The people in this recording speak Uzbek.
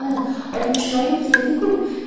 mana oltmishvoyim keldi ku